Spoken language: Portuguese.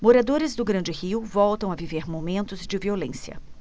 moradores do grande rio voltam a viver momentos de violência